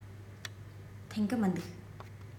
མཐུན གི མི འདུག